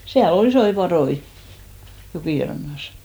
siellä oli isoja patoja jokirannassa